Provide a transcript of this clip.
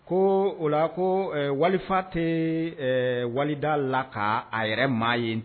Ko o la ko wali tɛ wali la ka a yɛrɛ maa ye